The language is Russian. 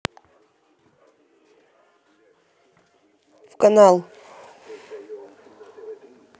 в канал